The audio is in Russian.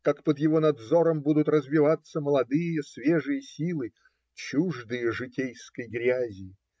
как Под его надзором будут развиваться молодые, свежие силы, "чуждые житейской грязи"